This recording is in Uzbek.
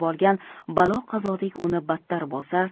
minib olgan balo qazodek uni battar bosar